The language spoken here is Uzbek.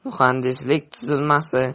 muhandislik tuzilmasi